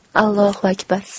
ollohu akbar